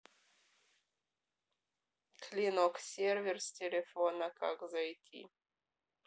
клинок сервер с телефона как зайти